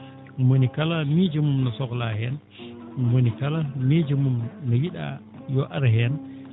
mo woni kala miijo mum no sohlaa heen mo woni kala miijo mum no yi?aa yo ar heen